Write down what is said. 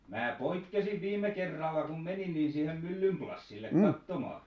minä poikkesin viime kerralla kun menin niin siihen myllynplassille katsomaan